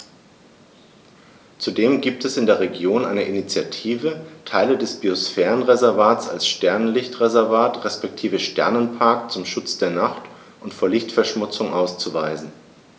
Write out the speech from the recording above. Zudem gibt es in der Region eine Initiative, Teile des Biosphärenreservats als Sternenlicht-Reservat respektive Sternenpark zum Schutz der Nacht und vor Lichtverschmutzung auszuweisen.